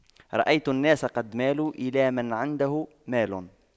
رأيت الناس قد مالوا إلى من عنده مال